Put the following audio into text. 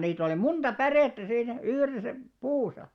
niitä oli monta pärettä siinä yhdessä puussa